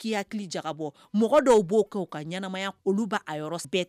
T'i hakili jagabɔ, mɔgɔ dɔw b'o kɛ u ka ɲɛnɛmaya olu ba a yɔrɔ bɛɛ